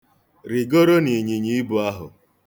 Rịgoro n'ịnyịnyiibu ahụ.